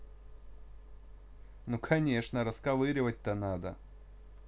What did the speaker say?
ну конечно расковыривать только надо